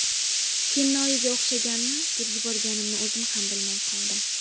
kennoyiga o'xshaganmi deb yuborganimni o'zim ham bilmay qoldim